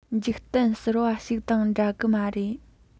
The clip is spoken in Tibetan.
འཇིག རྟེན གསར པ ཞིག དང འདྲ གི མ རེད